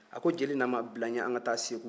a ko jeli nama bila n ɲɛ an ka taa segu